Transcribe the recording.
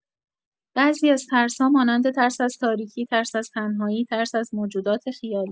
بعضی از ترس‌ها، مانند ترس از تاریکی، ترس از تنهایی، ترس از موجودات خیالی